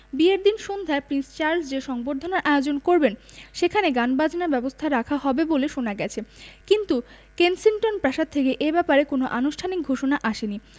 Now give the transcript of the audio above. বিয়ের দিন সন্ধ্যায় প্রিন্স চার্লস যে সংবর্ধনার আয়োজন করবেন সেখানে গানবাজনার ব্যবস্থা রাখা হবে বলে শোনা গেছে কিন্তু কেনসিংটন প্রাসাদ থেকে এ ব্যাপারে কোনো আনুষ্ঠানিক ঘোষণা আসেনি